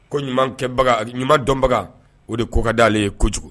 Ko ɲuman ɲuman dɔnbaga o de koka dalenale ye kojugu